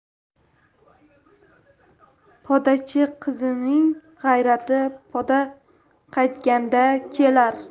podachi qizining g'ayrati poda qaytganda kelar